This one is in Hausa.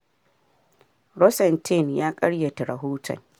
Rosenstein ya karyata rahoton.